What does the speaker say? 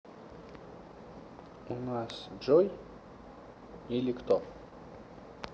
у нас джой или кто